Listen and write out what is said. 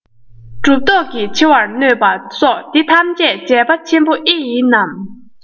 གྲུབ ཐོབ ཀྱི ཆེ བར གནོད པ སོགས དེ ཐམས ཅད བྱས པ ཆེན པོ ཨེ ཡིན ནམ